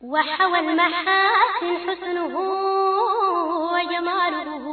Wa wakumadugu